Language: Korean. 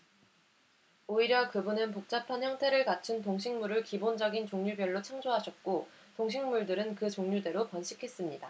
오히려 그분은 복잡한 형태를 갖춘 동식물을 기본적인 종류별로 창조하셨고 동식물들은 그 종류대로 번식했습니다